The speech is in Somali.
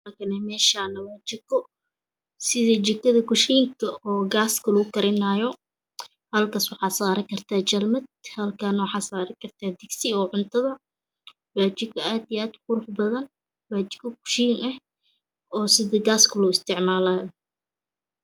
Meshan waa jiko sida jikada kushinka kaska loogu karinayo halkas waxad saran karta jalmad halkaas waxad saran karta Digsiga cuntada waa jiko aad iyo aad u qurux badan waa jiko kushiin eh sida kaska lo isticmaqlayo